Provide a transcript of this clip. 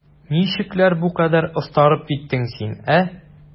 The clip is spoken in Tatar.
Ничекләр бу кадәр остарып киттең син, ә?